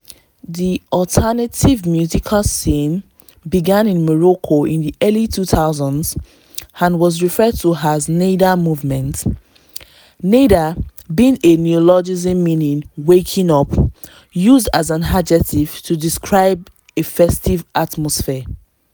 The alternative musical scene began in Morocco in the early 2000s and was referred to as the Nayda movement (“nayda” being a neologism meaning “waking up”, used as an adjective to describe a festive atmosphere).